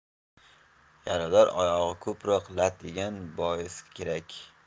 yarador oyog'i ko'proq lat yegan boisa kerak